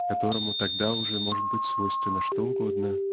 которому тогда может быть свойственно что угодно